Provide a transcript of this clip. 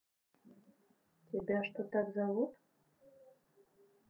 тебя что так зовут